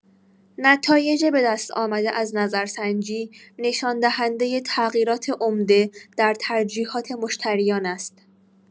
نتایج به‌دست‌آمده از نظرسنجی نشان‌دهنده تغییرات عمده در ترجیحات مشتریان است.